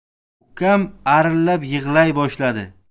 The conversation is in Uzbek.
ukam arillab yig'lay boshladi